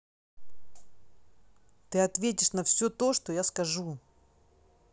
ты ответишь на все то что я скажу